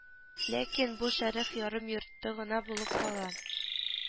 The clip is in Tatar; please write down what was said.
Ләкин бу шәрех ярым-йорты гына булып кала